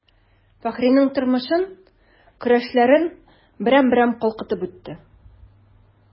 Фәхринең тормышын, көрәшләрен берәм-берәм калкытып үтте.